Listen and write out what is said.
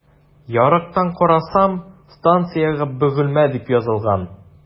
Ярыктан карасам, станциягә “Бөгелмә” дип язылган.